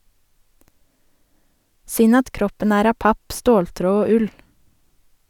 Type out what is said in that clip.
Synd at kroppen er av papp, ståltråd og ull.